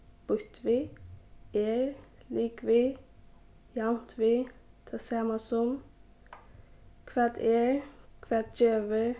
býtt við er ligvið javnt við tað sama sum hvat er hvat gevur